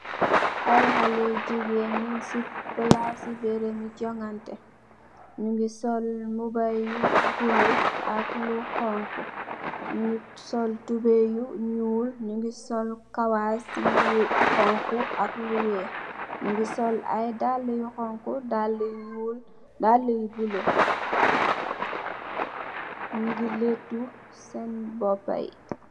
Ay xale yu jigeen nyun si palaci joganteh nyugi mbuba yu bulo ak yu xonxa nyugi sol tubai yu nuul nyugi sol kawas yu xonxa ak yu weex nyugi sol ay daala yu xonxa daala yu nuul daala yu bulo nyugi latu sen mboba yi.